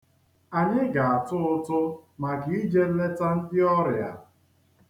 Anyị ga-atụ ụtụ maka ije leta ndị ọrịa.